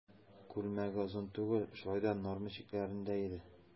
Күлмәге озын түгел, шулай да норма чикләрендә иде.